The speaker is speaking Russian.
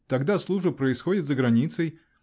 Тогда служба происходит за границей.